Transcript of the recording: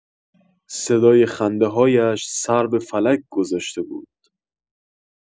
صدای خنده‌هایش سر به فلک گذاشته بود.